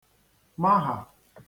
-mahà